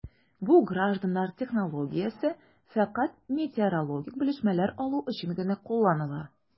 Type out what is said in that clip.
Бу гражданнар технологиясе фәкать метеорологик белешмәләр алу өчен генә кулланыла...